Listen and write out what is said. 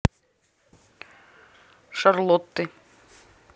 шарлотты